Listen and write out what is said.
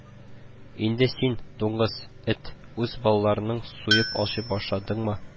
Инде син, дуңгыз, эт, үз балаларыңны суеп ашый башладыңмы